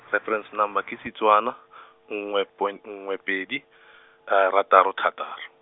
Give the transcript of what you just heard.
reference number ke Setswana , nngwe point nngwe pedi , rataro thataro.